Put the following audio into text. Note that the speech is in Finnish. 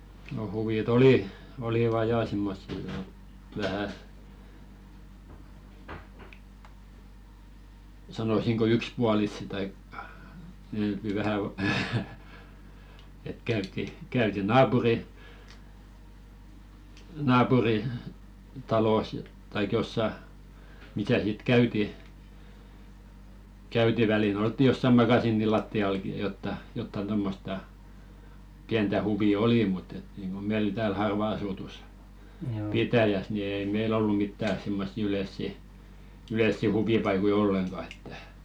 no huvit oli olivat ja semmoisia niin vähän sanoisinko yksipuolisia tai -- vähän että käytiin käytiin -- naapuritalossa tai jossakin missä sitten käytiin käytiin välillä oltiin jossakin makasiinin lattiallakin ja jotakin jotakin tuommoista pientä huvia oli mutta että niin kuin meillä täällä harvaan asutussa pitäjässä niin ei meillä ollut mitään semmoisia yleisiä yleisiä huvipaikkoja ollenkaan että